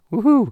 Woo-hoo.